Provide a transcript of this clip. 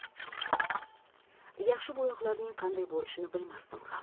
yaxshi bo'yoqlarning qanday bo'lishini bilmasdim ham